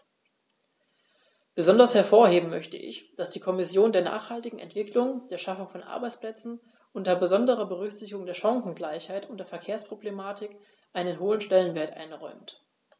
Besonders hervorheben möchte ich, dass die Kommission der nachhaltigen Entwicklung, der Schaffung von Arbeitsplätzen unter besonderer Berücksichtigung der Chancengleichheit und der Verkehrsproblematik einen hohen Stellenwert einräumt.